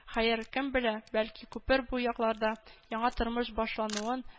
Хәер, кем белә, бәлки, күпер бу якларда яңа тормыш башлануын